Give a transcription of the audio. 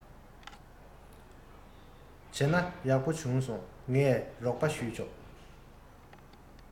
བྱས ན ཡག པོ བྱུང ངས རོགས པ ཞུས ཆོག